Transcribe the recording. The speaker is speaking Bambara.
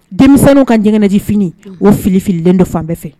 Denmisɛnww ka jgɛnji fini o filifilen dɔ fan bɛɛ fɛ